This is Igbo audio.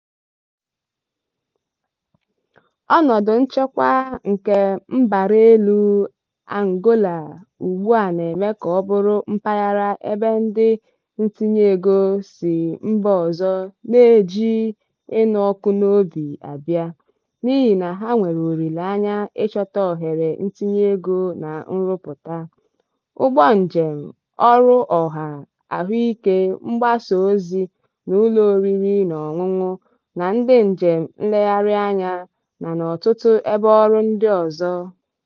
Ọnọdụ nchekwa nke mbaraelu Angola ugbua na-eme ka ọ bụrụ mpaghara ebe ndị ntinyeego si mba ọzọ na-eji ịnụ ọkụ n'obi abịa, n'ihi na ha nwere olileanya ịchọta ohere ntinyeego na nrụpụta, ụgbọnjem, ọrụ ọha, ahụike, mgbasaozi, n'ụlọoriri na ọṅụṅụ na ndị njem nlereanya na n'ọtụtụ ebe ọrụ ndị ọzọ.”